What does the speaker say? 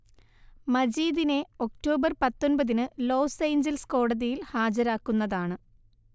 മജീദിനെ ഒക്ടോബർ പത്തൊൻപതിനു Los Angeles കോടതിയിൽ ഹാജരാക്കുന്നതാണ്